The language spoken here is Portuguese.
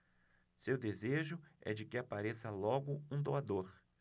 seu desejo é de que apareça logo um doador